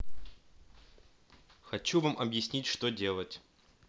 хочу вам объяснить что делать